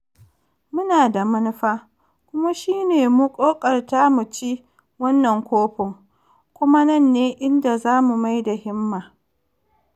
Mu na da manufa, kuma shi ne mu kokarta muci wannan kofin, kuma nan ne inda zamu mai da himma.